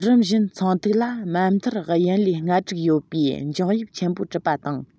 རིམ བཞིན ཚངས ཐིག ལ མ མཐར དབྱིན ལེ ལྔ དྲུག ཡོད པའི འཇོང དབྱིབས ཆེན པོ གྲུབ པ དང